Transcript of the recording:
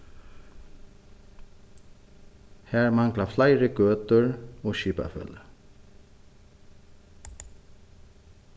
har mangla fleiri gøtur og skipafeløg